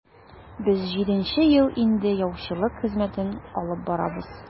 Без җиденче ел инде яучылык хезмәтен алып барабыз.